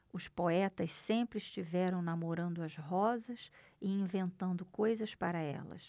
os poetas sempre estiveram namorando as rosas e inventando coisas para elas